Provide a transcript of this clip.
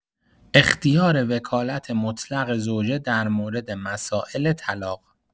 اختیار وکالت مطلق زوجه در مورد مسائل طلاق